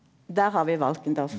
der har vi Valkendorf.